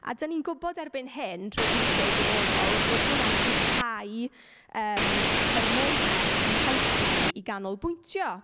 A dan ni'n gwybod erbyn hyn, drwy ymchwil gwyddonol, bod hwnna'n rhyddhau , yym, hormonau sy'n helpu ni i ganolbwyntio.